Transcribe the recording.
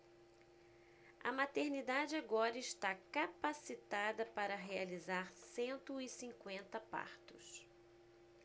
a maternidade agora está capacitada para realizar cento e cinquenta partos